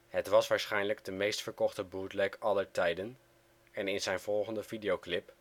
Het was waarschijnlijk de meest verkochte bootleg aller tijden en in zijn volgende videoclip